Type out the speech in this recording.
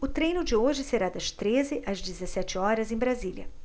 o treino de hoje será das treze às dezessete horas em brasília